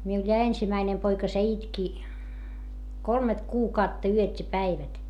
minulla ja ensimmäinen poika se itki kolme kuukautta yöt ja päivät